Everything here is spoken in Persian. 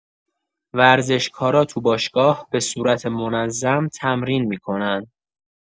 ورزشکارا تو باشگاه به صورت منظم تمرین می‌کنن.